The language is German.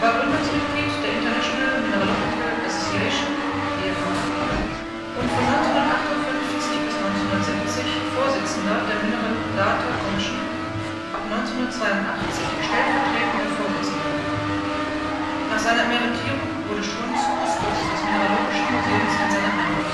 Gründungsmitglied der International Mineralogical Association (IMA) und von 1958 bis 1970 Vorsitzender der Mineral Data Commission, ab 1982 stellvertretender Vorsitzender. Nach seiner Emeritierung wurde Strunz Kustos des Mineralogischen Museums in seiner Heimat